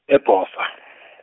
eBhosa .